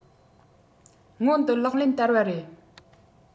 སྔོན དུ ལག ལེན བསྟར བ རེད